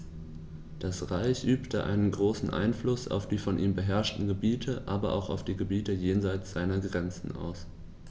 Das Reich übte einen großen Einfluss auf die von ihm beherrschten Gebiete, aber auch auf die Gebiete jenseits seiner Grenzen aus.